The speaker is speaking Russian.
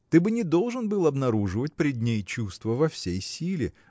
– Ты бы не должен был обнаруживать пред ней чувства во всей силе